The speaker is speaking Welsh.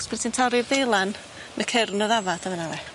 Os by' ti'n torri'r ddeilan, ma' cyrn y ddafad yn fan 'na we.